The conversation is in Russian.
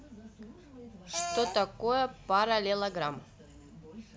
что такое параллелограмм